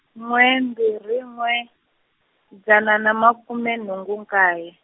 n'we mbirhi n'we, dzana na makume nhungu nkaye.